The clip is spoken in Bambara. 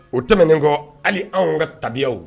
O tɛmɛnen kɔ hali anw ka tabiyaw